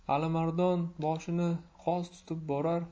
alimardon boshini g'oz tutib borar